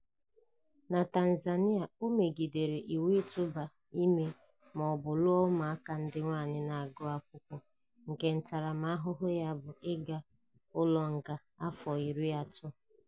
Na Tanzania, o megidere iwu itụba ime ma ọ bu lụọ ụmụaka ndị nwaanyị na-agụ akwụkwọ nke ntaramahụhụ ya bụ ịga ụlọ nga afọ 30.